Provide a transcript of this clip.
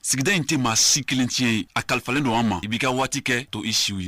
Sigida in tɛ maa si kelen tiɲɛ ye, a kalifalen don an ma, i b'i ka waati kɛ to i siw ye